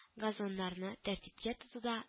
Газоннарны тәртиптә тотуда